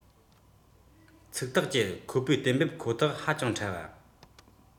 ཚིག ཐག བཅད ཁོ པའི གཏན འབེབས ཁོ ཐག ཧ ཅང ཕྲ བ